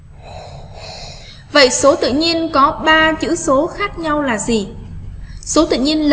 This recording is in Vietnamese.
số tự nhiên có chữ số khác nhau là gì số tự nhiên